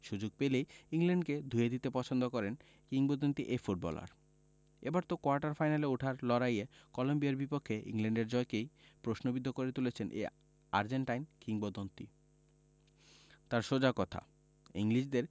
সুযোগ পেলেই ইংল্যান্ডকে ধুয়ে দিতে পছন্দ করেন কিংবদন্তি এ ফুটবলার এবার তো কোয়ার্টার ফাইনালে ওঠার লড়াইয়ে কলম্বিয়ার বিপক্ষে ইংল্যান্ডের জয়কেই প্রশ্নবিদ্ধ করে তুলেছেন এই আর্জেন্টাইন কিংবদন্তি তাঁর সোজা কথা ইংলিশদের